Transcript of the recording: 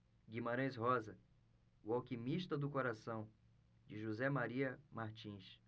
guimarães rosa o alquimista do coração de josé maria martins